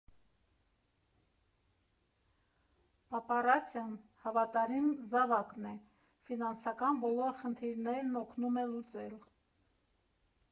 «Պապարացին» հավատարիմ զավակն է, ֆինանսական բոլոր խնդիրներն օգնում է լուծել։